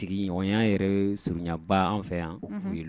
Sigiɲɔgɔnya yɛrɛ ye surunyanba an fɛ yan